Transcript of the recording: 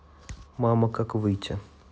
мама как выйти